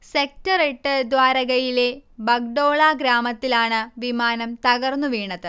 sector എട്ട് ദ്വാരകയിലെ ബഗ്ഡോള ഗ്രാമത്തിലാണ് വിമാനം തകർന്നുവീണത്